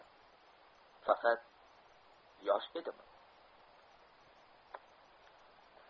faqat yosh edimi